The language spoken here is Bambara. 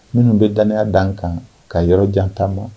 Minnu bɛ danya dan kan ka yɔrɔ jan taama ma